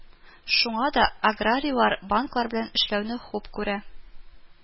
Шуңа да аграрийлар банклар белән эшләүне хуп күрә